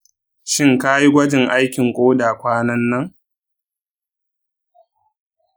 shin ka yi gwajin aikin koda kwanan nan?